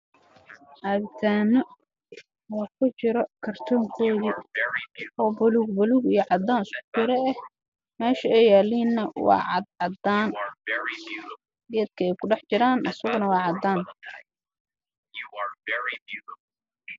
Meeshan waxaa yaalo gartoobo fara badan oo biluug ah waxaana ku jira caano